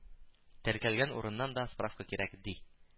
Теркәлгән урыннан да справка кирәк, ди